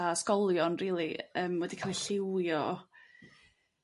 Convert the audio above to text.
a ysgolion rili yrm wedi ca'l 'u llywio